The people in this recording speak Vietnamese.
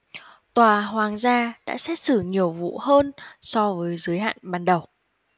tòa hoàng gia đã xét xử nhiều vụ hơn so với giới hạn ban đầu